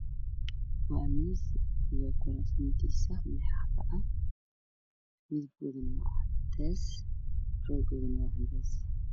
Waa miis ay dul saaran tahay lixbirkiin rogodo waa cagaar ay ku jiraan qol